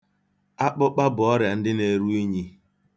Akpụkpa bụ ọrịa ndị na-eru unyi.